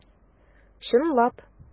Чынлап!